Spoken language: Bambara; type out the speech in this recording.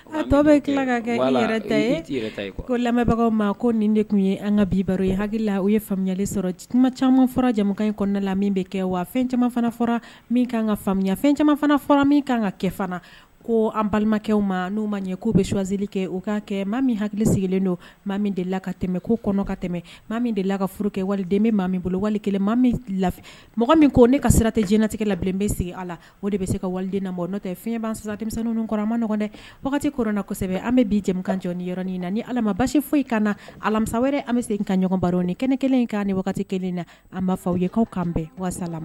A tɔ bɛ tila ka kɛ ko lamɛnbagaw ma ko nin de tun ye an ka bi baro ye hakilila o ye fayali sɔrɔtuma caman fɔra jamanakan in kɔnɔnaɛ la min bɛ kɛ wa fɛn caman fana fɔra min kan ka caman fana fɔra min kan ka kɛ fana ko an balimakɛw ma n'o ma ɲɛ ko bɛ suwazali kɛ u k ka kɛ maa min hakili sigilen don maa min de la ka tɛmɛ ko kɔnɔ ka tɛmɛ maa min de la ka furu kɛ waliden bɛ maa min bolowale maa min la mɔgɔ min ko ne ka sira tɛ jtigɛ la bilen bɛ sigi ala la o de bɛ se ka wali nabɔ n'o tɛ fɛnbasa denmisɛnnin kɔrɔmaɔgɔn dɛ wagati ko na kosɛbɛ an bɛ bijakan jɔ yɔrɔin na ni ala basi foyi ka na alamisa wɛrɛ an bɛ se ka ɲɔgɔn baro ni kɛnɛ kelen in kan ni waati wagati kelen na a mafa aw yekaw ka kan bɛn walasa